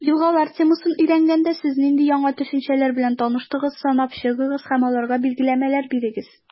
«елгалар» темасын өйрәнгәндә, сез нинди яңа төшенчәләр белән таныштыгыз, санап чыгыгыз һәм аларга билгеләмәләр бирегез.